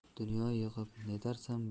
dunyo yig'ib netarsan